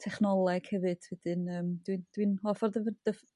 technoleg hefyd wedyn yrm dwi'n dwi'n hoff o'r ddyfy- dy ff-